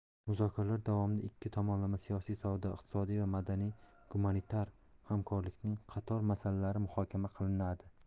muzokaralar davomida ikki tomonlama siyosiy savdo iqtisodiy va madaniy gumanitar hamkorlikning qator masalalari muhokama qilinadi